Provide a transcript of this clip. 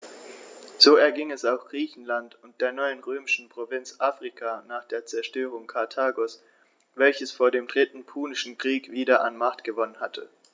So erging es auch Griechenland und der neuen römischen Provinz Afrika nach der Zerstörung Karthagos, welches vor dem Dritten Punischen Krieg wieder an Macht gewonnen hatte.